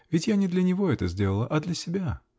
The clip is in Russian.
Ведь я не для него это сделала, а для себя.